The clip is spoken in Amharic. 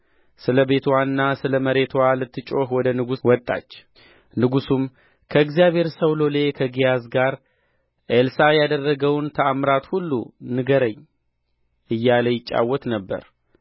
ስለ መሬትዋ ልትጮኽ ወደ ንጉሡ ወጣች ንጉሡም ከእግዚአብሔር ሰው ሎሌ ከግያዝ ጋር ኤልሳዕ ያደረገውን ተአምራት ሁሉ ንገረኝ እያለ ይጫወት ነበር